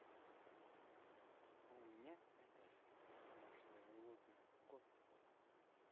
а у меня это жизнь домашнее животное кот